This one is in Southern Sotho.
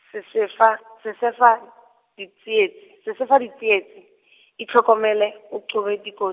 sesefa, sesefa ditsietsi, sesefa ditsietsi, itlhokomele, o qobe dikot-.